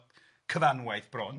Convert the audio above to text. Cyfanwaith bron.